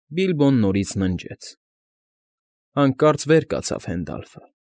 Բիլբոն նորից ննջեց։ Հանկարծ վեր կացավ Հենդալֆը. ֊